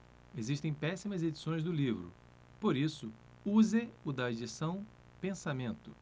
existem péssimas edições do livro por isso use o da edição pensamento